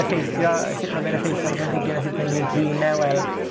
effeithio, yy sut ma' fe'n effeithio ar y planhigyn a sut ni myn' i drin e, wel